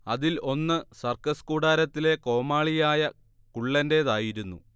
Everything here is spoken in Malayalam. അതിൽ ഒന്ന് സർക്കസ് കൂടാരത്തിലെ കോമാളിയായ കുള്ളന്റേതായിരുന്നു